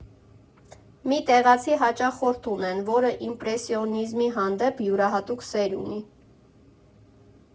Մի տեղացի հաճախորդ ունեն, որը իմպրեսիոնիզմի հանդեպ յուրահատուկ սեր ունի։